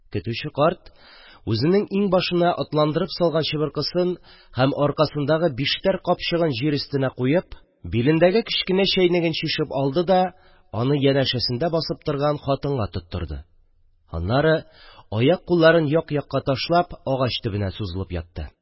Көтүче карт, үзенең иңбашына атландырып салган чыбыркысын һәм аркасындагы биштәр капчыгын җир өстенә куеп, билендәге кечкенә чәйнеген чишеп алды да, аны янәшәсендә басып торган хатынга тоттырды, аннары, аяк-кулларын як-якка ташлап, агач төбенә сузылып ятты.